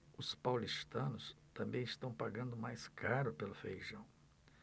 os paulistanos também estão pagando mais caro pelo feijão